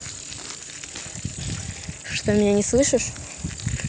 что меня не слышишь